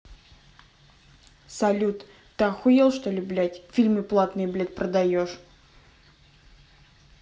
салют ты охуел что ли блядь фильмы платные блядь продаешь